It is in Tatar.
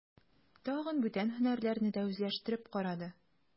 Тагын бүтән һөнәрләрне дә үзләштереп карады.